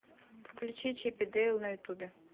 включи чип и дейл на ютубе